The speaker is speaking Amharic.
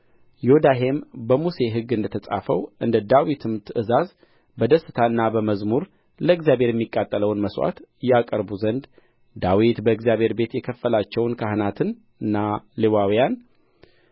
ዮዳሄም በሙሴ ሕግ እንደ ተጻፈው እንደ ዳዊትም ትእዛዝ በደስታና በመዝሙር ለእግዚአብሔር የሚቃጠለውን መሥዋዕት ያቀርቡ ዘንድ ዳዊት